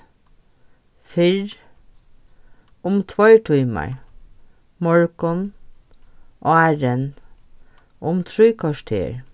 fyrr um tveir tímar morgun áðrenn um trý korter